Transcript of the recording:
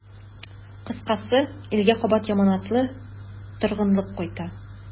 Кыскасы, илгә кабат яманатлы торгынлык кайта.